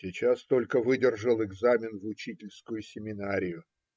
- Сейчас только выдержал экзамен в учительскую семинарию.